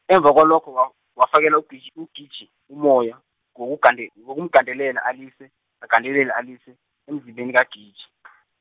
emva kwalokho wa- wafakela uGij- UGiji umoya, ngokugande- ngokumgandelela alise, agandelele alise, emzimbeni kaGiji .